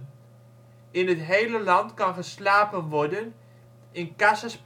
In het hele land kan geslapen worden in ' casas particulares